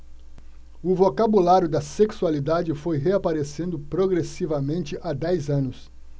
o vocabulário da sexualidade foi reaparecendo progressivamente há dez anos